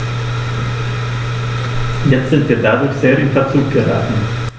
Jetzt sind wir dadurch sehr in Verzug geraten.